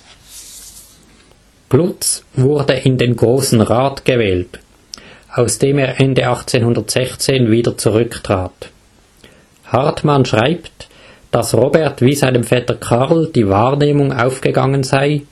Glutz wurde in den Grossen Rat gewählt, aus dem er Ende 1816 wieder zurücktrat. Hartmann schreibt, dass Robert wie seinem Vetter Karl die Wahrnehmung aufgegangen sei